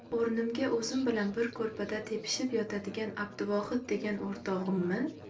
o'rnimga o'zim bilan bir ko'rpada tepishib yotadigan abduvohid degan o'rtog'immi